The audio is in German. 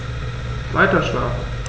Weiterschlafen.